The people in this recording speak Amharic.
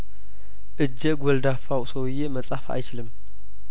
እጀ ጐልዳፋው ሰውዬ መጻፍ አይችልም